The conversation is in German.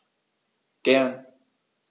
Gern.